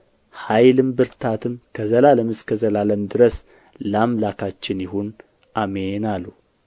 ኃይልም ብርታትም ከዘላለም እስከ ዘላለም ድረስ ለአምላካችን ይሁን አሜን አሉ